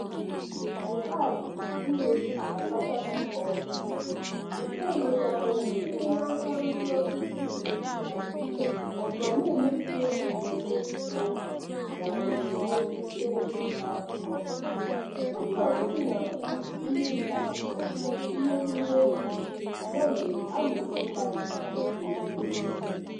Nke a bụ ngosipụta kachasị ọhụrụ nke nleda anya sitere n'aka ndị ọchịchị Mozambique ma na-emegide nnwereonwe ikwu okwu na nnwereonwe nke ndị ntaakụkọ... ndị ọchịchị na-ahụ ndị ntaakụkọ ka ihe iyi egwu, ya mere a na-emeso ha dị ka ndị omekome.